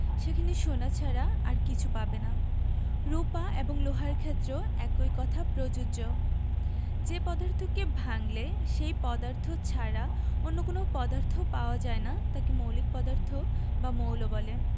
সেখানে সোনা ছাড়া আর কিছু পাবে না রুপা এবং লোহার ক্ষেত্রেও একই কথা প্রযোজ্য যে পদার্থকে ভাঙলে সেই পদার্থ ছাড়া অন্য কোনো পদার্থ পাওয়া যায় না তাকে মৌলিক পদার্থ বা মৌল বলে